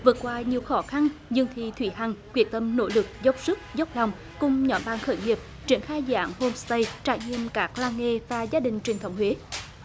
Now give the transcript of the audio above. vượt qua nhiều khó khăn dương thị thúy hằng quyết tâm nỗ lực dốc sức dốc lòng cùng nhóm bạn khởi nghiệp triển khai dự án hôm sây trải nghiệm các làng nghề và gia đình truyền thống huế